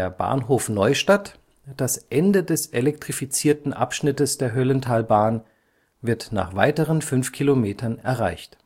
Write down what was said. Bahnhof Neustadt, das Ende des elektrifizierten Abschnittes der Höllentalbahn, wird nach weiteren fünf Kilometern erreicht